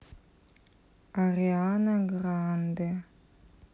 ариана гранде